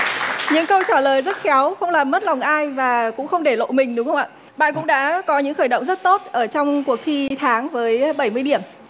những câu trả lời rất khéo không làm mất lòng ai và cũng không để lộ mình đúng không ạ bạn cũng đã có những khởi động rất tốt ở trong cuộc thi tháng với bảy mươi điểm